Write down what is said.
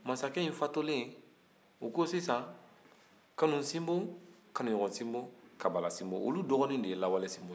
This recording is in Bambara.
masakɛ in fatulen u ko sisan kanu sinbo kanuɲɔgɔn sinbo kabala sinbo olu dɔgɔnin de ye lawale sinbo ye